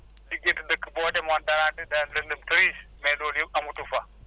diggante dëkk boo demoon da daan da daan lëndëm kiriis mais loolu yëpp amatu fa